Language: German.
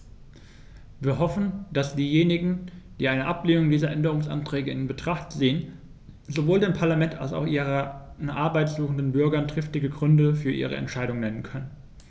Wir hoffen, dass diejenigen, die eine Ablehnung dieser Änderungsanträge in Betracht ziehen, sowohl dem Parlament als auch ihren Arbeit suchenden Bürgern triftige Gründe für ihre Entscheidung nennen können.